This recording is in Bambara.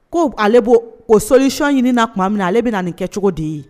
Ko ale' o sɔlicon ɲini'a tuma min na ale bɛ na nin kɛ cogo di ye